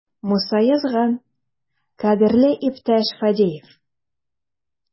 Муса язган: "Кадерле иптәш Фадеев!"